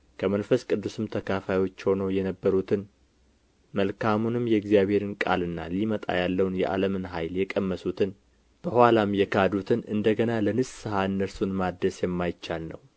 ከመንፈስ ቅዱስም ተካፋዮች ሆነው የነበሩትን መልካሙንም የእግዚአብሔርን ቃልና ሊመጣ ያለውን የዓለም ኃይል የቀመሱትን በኋላም የካዱትን እንደገና ለንስሐ እነርሱን ማደስ የማይቻል ነው